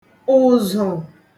ụ̀zụ̀